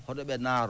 hoɗoɓe naaro